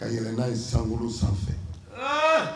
Ka yɛrɛ n'a ye sankolo sanfɛ